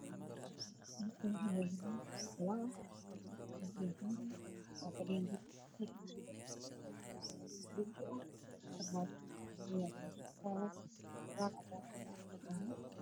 Meeshaan oo meel hol ah waxaa ku dhex jira niman fara badan oo ku fadhiyaan kuraas ninka ugu soo horeeyo waxa uu qaba suud dhegaha waxaa ugu jiro irofoon